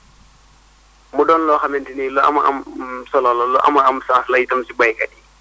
mu doon loo xamante ni lu am a am solo la lu am a am sens la itam si baykat yi